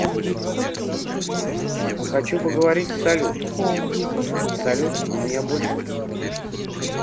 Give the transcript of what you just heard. хочу поговорить с салютом салют он меня больше понимает